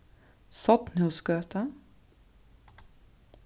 sornhúsgøta